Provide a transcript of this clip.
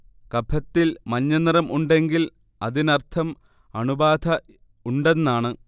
കഫത്തിൽ മഞ്ഞനിറം ഉണ്ടെങ്കിൽ അതിനർഥം അണുബാധ ഉണ്ടെന്നാണ്